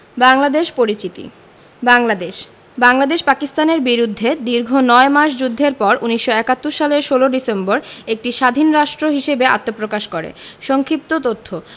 বাংলাদেশ পরিচিতি বাংলাদেশ বাংলাদেশ পাকিস্তানের বিরুদ্ধে দীর্ঘ নয় মাস যুদ্ধের পর ১৯৭১ সালের ১৬ ডিসেম্বর একটি স্বাধীন রাষ্ট্র হিসেবে আত্মপ্রকাশ করে সংক্ষিপ্ত তথ্য